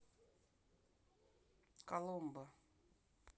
коломбо